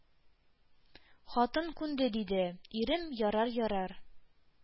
Хатын күнде, диде: «Ирем, ярар, ярар,